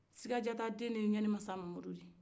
sigajata den de ye ɲanimasa mamuru di